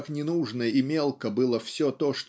как ненужно и мелко было все то